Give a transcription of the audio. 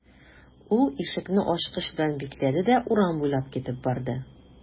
Ул ишекне ачкыч белән бикләде дә урам буйлап китеп барды.